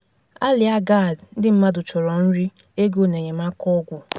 @AlyaaGad Ndị mmadụ chọrọ nri, ego na enyemaka ọgwụ!